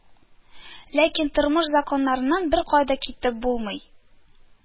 Ләкин тормыш законнарыннан беркая да китеп булмый